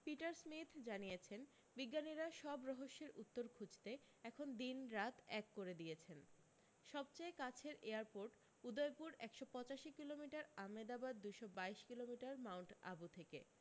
Peter Smith জানিয়েছেন বিজ্ঞানীরা সব রহস্যের উত্তর খুঁজতে এখন দিন রাত এক করে দিয়েছেন সবচেয়ে কাছের এয়ারপোর্ট উদয়পুর একশ পঁচাশি কিলোমিটার আমেদাবাদ দুশো বাইশ কিলোমিটার মাউন্ট আবু থেকে